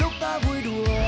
lúc ta vui đùa